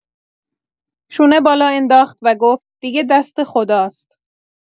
شونه بالا انداخت و گفت: «دیگه دست خداست.»